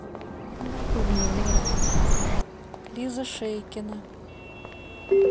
лиза шейкина